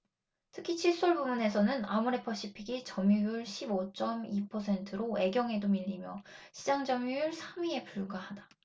특히 칫솔 부문에서는 아모레퍼시픽이 점유율 십 오 쩜 이 퍼센트로 애경에도 밀리며 시장점유율 삼 위에 불과하다